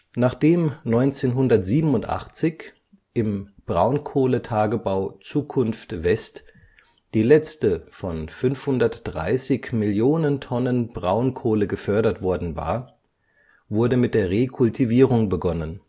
Nachdem 1987 im Braunkohletagebau Zukunft-West die letzte von 530 Millionen Tonnen Braunkohle gefördert worden war, wurde mit der Rekultivierung begonnen